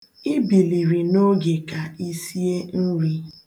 I biliri n'oge ka i sie nri